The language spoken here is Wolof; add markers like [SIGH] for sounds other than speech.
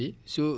[HESITATION] [HESITATION]